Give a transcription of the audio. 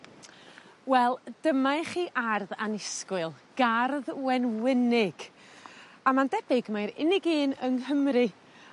Wel dyma i chi ardd annisgwyl gardd wenwynig. A ma'n debyg mae'r unig un yng Nghymru